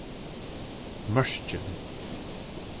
mørkin